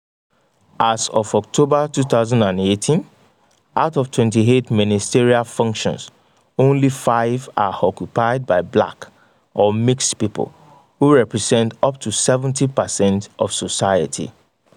As of October 2018, out of 24 ministerial functions, only five are occupied by black or mixed people, who represent up to 70 percent of society.